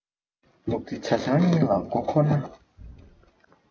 ལུག རྫི ཇ ཆང གཉིས ལ མགོ འཁོར ན